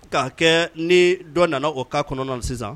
Ka'a kɛ ni dɔ nana o k'a kɔnɔna sisan